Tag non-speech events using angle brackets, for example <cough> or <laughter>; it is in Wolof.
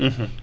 <hesitation> <hesitation>